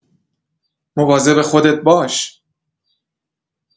مواظب خودت باش.